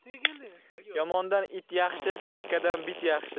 yomondan it yaxshi sirkadan bit yaxshi